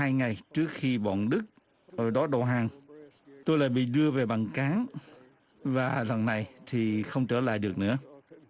hai ngày trước khi bọn đức ở đó đầu hàng tôi lại bị đưa về bằng cáng và lần này thì không trở lại được nữa